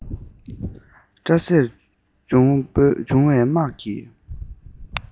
སྐྲ སེར འབྱུང བོའི དམག གིས